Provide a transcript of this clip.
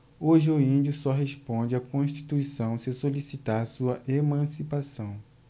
hoje o índio só responde à constituição se solicitar sua emancipação